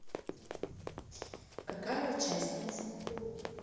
какая участница